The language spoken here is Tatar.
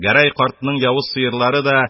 Гәрәй картның явыз сыерлары да